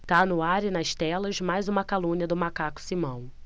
tá no ar e nas telas mais uma calúnia do macaco simão